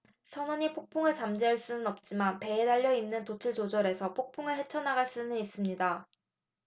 선원이 폭풍을 잠재울 수는 없지만 배에 달려 있는 돛을 조절해서 폭풍을 헤쳐 나갈 수는 있습니다